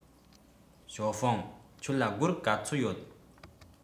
ཞའོ ཧྥང ཁྱོད ལ སྒོར ག ཚོད ཡོད